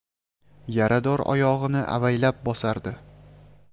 yarador oyog'ini avaylab bosardi